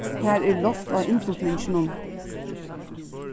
har er loft á innflutninginum